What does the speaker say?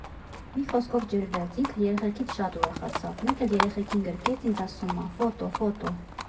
Մի խոսքով՝ ջրվեց, ինքը երեխեքից շատ ուրախացավ, մեկ էլ երեխեքին գրկեց, ինձ ասում ա՝ «ֆոտո, ֆոտո»։